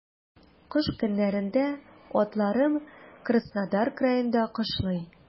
Кыш көннәрендә атларым Краснодар краенда кышлый.